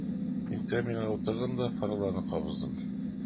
Мин кабинага утырдым да фараларны кабыздым.